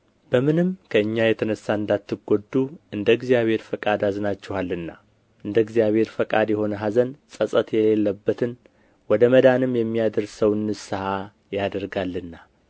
በምንም ከእኛ የተነሣ እንዳትጎዱ እንደ እግዚአብሔር ፈቃድ አዝናችኋልና እንደ እግዚአብሔር ፈቃድ የሆነ ኀዘን ጸጸት የሌለበትን ወደ መዳንም የሚያደርሰውን ንስሐ ያደርጋልና